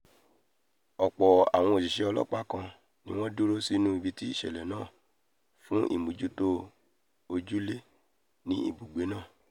ọ̀ṕọ̀́ àwọn òṣìṣe ọlọ́ọ̀pá ̣́ kan ni wọ́n dúró sínú ibití ìṣẹlẹ naa fun ìmójútó ojúle ní ìbùgbé náà.